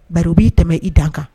Baro b'i tɛmɛ i dan kan